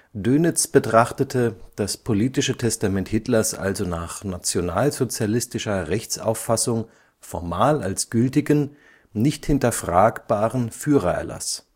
Dönitz betrachtete das politische Testament Hitlers also nach nationalsozialistischer Rechtsauffassung formal als gültigen, nicht hinterfragbaren „ Führererlass